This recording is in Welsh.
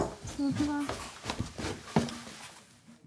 ###os gwelwch y' dda.